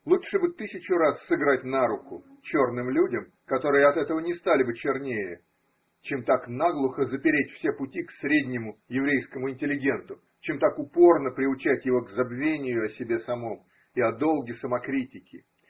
Лучше бы тысячу раз сыграть на руку черным людям, которые от этого не стали бы чернее, чем так наглухо запереть все пути к среднему еврейскому интеллигенту, чем так упорно приучать его к забвению о себе самом и о долге самокритики.